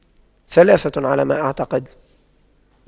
ثلاثة على ما أعتقد